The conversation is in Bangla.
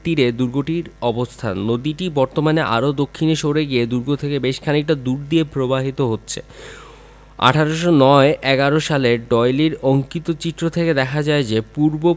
তীরে দূর্গটির অবস্থান নদীটি বর্তমানে আরও দক্ষিণে সরে গিয়ে দুর্গ থেকে বেশ খানিকটা দূর দিয়ে প্রবাহিত হচ্ছে ১৮০৯ ১১ সালের ডয়েলীর অঙ্কিত চিত্র থেকে দেখা যায় যে পূর্ব